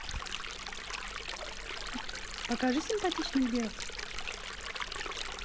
покажи симпатичных девок